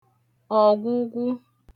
ọ̀gwụgwụ